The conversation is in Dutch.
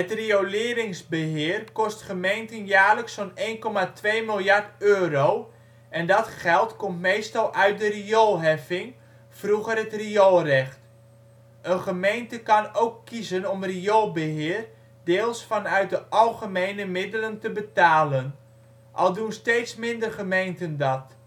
rioleringsbeheer kost gemeenten jaarlijks zo 'n 1,2 miljard euro, en dat geld komt meestal uit de rioolheffing (vroeger: rioolrecht). Een gemeente kan ook kiezen om rioolbeheer (deels) vanuit de algemene middelen te betalen, al doen steeds minder gemeenten dat